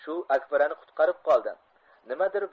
shu akbarani qutqarib qoldi